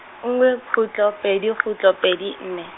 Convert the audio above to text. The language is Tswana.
nngwe, khutlo pedi khutlo pedi nne.